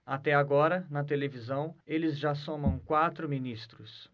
até agora na televisão eles já somam quatro ministros